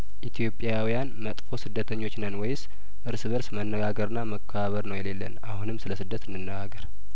ኢትዮጵያውያን መጥፎ ስደተኞች ነን ወይስ እርስ በርስ መነጋገርና መከባበር ነው የሌለን አሁንም ስለስደት እንነጋገር